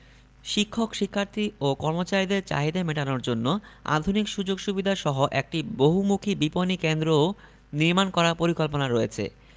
শিক্ষক শিক্ষার্থী ও কর্মচারীদের চাহিদা মেটানোর জন্য আধুনিক সুযোগ সুবিধাসহ একটি বহুমুখী বিপণি কেন্দ্রও নির্মাণ করার পরিকল্পনা রয়েছে